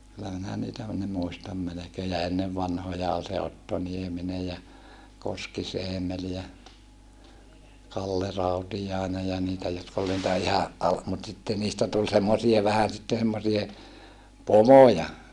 kyllä minä niitä ne muistan melkein ja ennen vanhoja oli se Otto Nieminen ja Koskis-Eemeli ja Kalle Rautiainen ja niitä jotka oli niitä ihan - mutta sitten niistä tuli semmoisia vähän sitten semmoisia pomoja